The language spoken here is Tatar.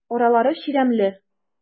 Аралары чирәмле.